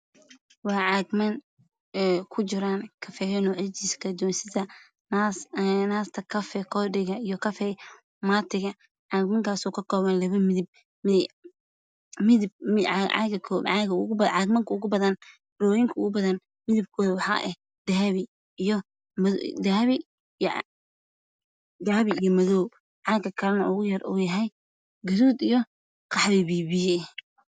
Meeshaan waxaa yaalo armaajo armaajadaas waxaa saaran shaati cadaan ah io calamo o aliyah ciyaaro ah io bahal yar oo xidig ku jirta waxn idin ku salaamay